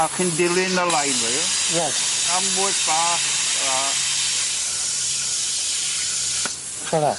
A chi'n dilyn y lein . Ie. Gan bwyll bach a... Fel 'a?